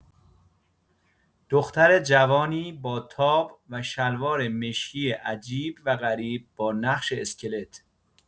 دختر جوانی با تاپ و شلوار مشکی عجیب و غریب با نقش اسکلت